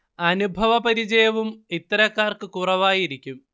അനുഭവപരിചയവും ഇത്തരക്കാർക്ക് കുറവായിരിക്കും